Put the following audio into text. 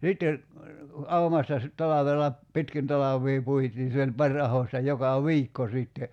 ja sitten aumasta sitten talvella pitkin talvea puitiin se oli pari ahdosta joka viikko sitten